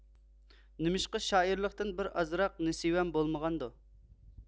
نېمىشقا شائىرلىقتىن بىر ئازراق نېسىۋەم بولمىغاندۇ